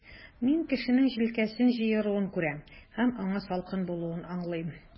Мин кешенең җилкәсен җыеруын күрәм, һәм аңа салкын булуын аңлыйм.